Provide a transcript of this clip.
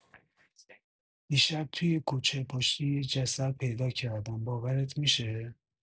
دیشب توی کوچه پشتی یه جسد پیدا کردن، باورت می‌شه؟!